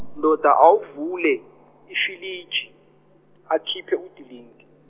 ndoda awuvule, ifiliji akhiphe udilinki.